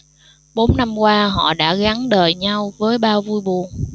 bốn năm qua họ đã gắn đời nhau với bao vui buồn